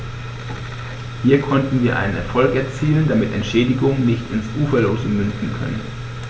Hier konnten wir einen Erfolg erzielen, damit Entschädigungen nicht ins Uferlose münden können.